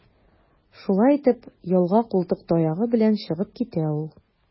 Шулай итеп, ялга култык таягы белән чыгып китә ул.